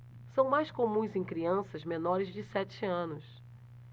são mais comuns em crianças menores de sete anos